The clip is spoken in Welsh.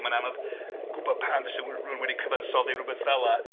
Mae'n anodd gwybod pam fyse rhywun wedi cyfansoddi rywbeth fel'a...